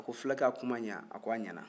a ko fulakɛ a kun ma ɲa wa a k'a ɲa na